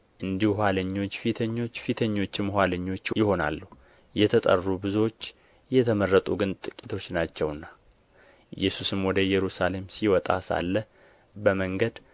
እንዲሁ ኋለኞች ፊተኞች ፊተኞችም ኋለኞች ይሆናሉ የተጠሩ ብዙዎች የተመረጡ ግን ጥቂቶች ናቸውና ኢየሱስም ወደ ኢየሩሳሌም ሊወጣ ሳለ በመንገድ